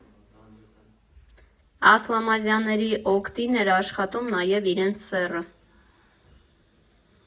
Ասլամազյանների օգտին էր աշխատում նաև իրենց սեռը.